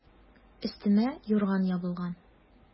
Өстемә юрган ябылган.